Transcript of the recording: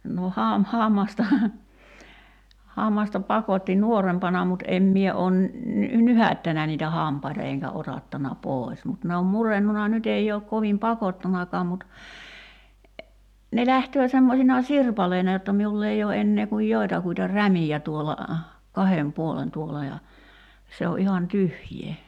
no - hammastahan hammasta pakotti nuorempana mutta en minä ole - nyhäyttänyt niitä hampaita enkä otattanut pois mutta ne on murentunut nyt ei ole kovin pakottanutkaan mutta ne lähtee semmoisina sirpaleina jotta minulla ei ole enää kuin joitakuita rämiä tuolla kahden puolen tuolla ja se on ihan tyhjää